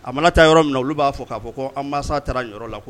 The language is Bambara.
A mana taa yɔrɔ min olu b'a fɔ k'a fɔ ko an ma taara yɔrɔ la